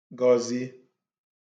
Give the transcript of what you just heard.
gọzi